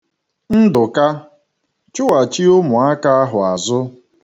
Ndụka, chughachi ụmụaka ahụ azụ!